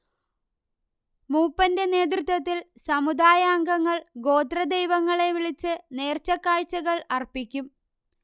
മൂപ്പന്റെ നേതൃത്വത്തിൽ സമുദായാംഗങ്ങൾ ഗോത്രദൈവങ്ങളെ വിളിച്ച് നേർച്ചക്കാഴ്ചകൾ അർപ്പിക്കും